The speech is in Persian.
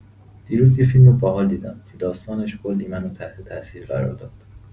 دیروز یه فیلم باحال دیدم که داستانش کلی منو تحت‌تاثیر قرار داد!